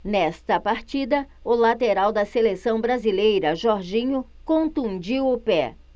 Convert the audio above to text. nesta partida o lateral da seleção brasileira jorginho contundiu o pé